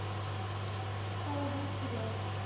аладдин сериал